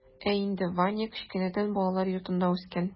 Ә инде ваня кечкенәдән балалар йортында үскән.